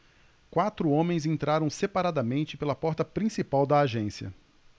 quatro homens entraram separadamente pela porta principal da agência